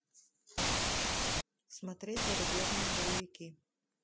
смотреть зарубежные боевики